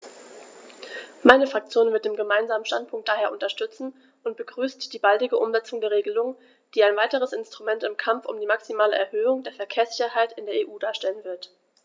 Meine Fraktion wird den Gemeinsamen Standpunkt daher unterstützen und begrüßt die baldige Umsetzung der Regelung, die ein weiteres Instrument im Kampf um die maximale Erhöhung der Verkehrssicherheit in der EU darstellen wird.